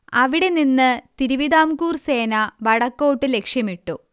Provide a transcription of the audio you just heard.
അവിടെ നിന്ന് തിരുവിതാംകൂർ സേന വടക്കോട്ട് ലക്ഷ്യമിട്ടു